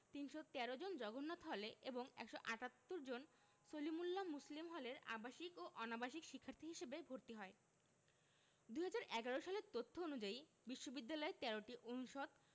৩১৩ জন জগন্নাথ হলে এবং ১৭৮ জন সলিমুল্লাহ মুসলিম হলের আবাসিক ও অনাবাসিক শিক্ষার্থী হিসেবে ভর্তি হয় ২০১১ সালের তথ্য অনুযায়ী বিশ্ববিদ্যালয়ে ১৩টি অনুষদ